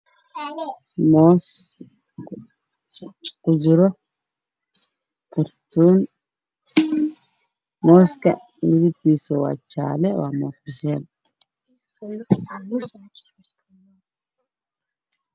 Waa moos kujiro kartoon midabkiisa waa jaale